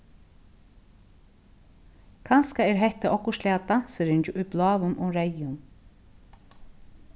kanska er hetta okkurt slag av dansiringi í bláum og reyðum